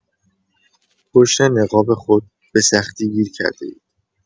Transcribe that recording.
پشت نقاب خود به‌سختی گیر کرده‌اید.